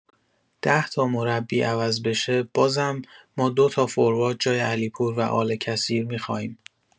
ده‌تا مربی عوض بشه، بازم ما دو تا فوروارد جای علیپور و آل کثیر می‌خاییم.